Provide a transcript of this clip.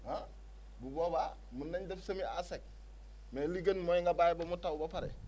ah bu boobaa mun nañu def semis à sec mais li gën mooy nga bàyyi ba mu taw ba pare